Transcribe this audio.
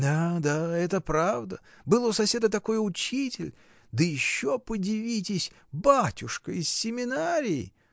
— Да, да, это правда: был у соседа такой учитель, да еще подивитесь, батюшка, из семинарии!